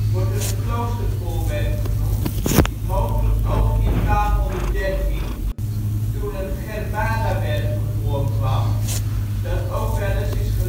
wordt er een kloostervoorwerk genoemd (mogelijk ook in 1213, toen een Gerbadawerve voorkwam, dat ook wel eens is gelijkgesteld